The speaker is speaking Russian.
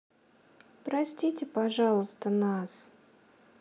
простите пожалуйста нас